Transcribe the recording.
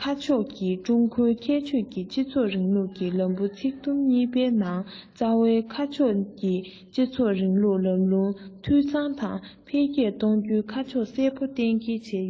ཁ ཕྱོགས ནི ཀྲུང གོའི ཁྱད ཆོས ཀྱི སྤྱི ཚོགས རིང ལུགས ཀྱི ལམ བུའི ཚིག དུམ གཉིས པའི ནང རྩ བའི ཁ ཕྱོགས ཀྱི སྤྱི ཚོགས རིང ལུགས ལམ ལུགས འཐུས ཚང དང འཕེལ རྒྱས གཏོང རྒྱུའི ཁ ཕྱོགས གསལ པོ གཏན འཁེལ བྱས ཡོད